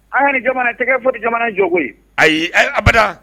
ayi e abada.